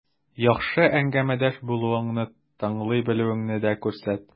Яхшы әңгәмәдәш булуыңны, тыңлый белүеңне дә күрсәт.